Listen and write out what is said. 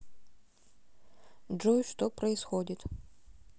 джой что происходит